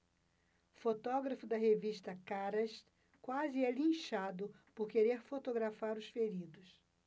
fotógrafo da revista caras quase é linchado por querer fotografar os feridos